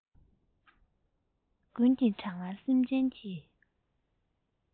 དགུན གྱི གྲང ངར སེམས ཅན གྱི